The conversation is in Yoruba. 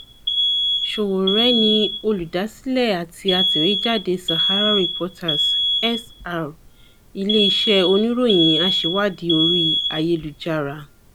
Sowore ni olùdásílẹ̀ àti atẹ̀wéjáde SaharaReporters (SR), ilé-iṣẹ́ oníròyìn aṣèwádìí orí-ayélujára.